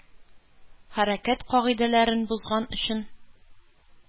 Хәрәкәт кагыйдәләрен бозган өчен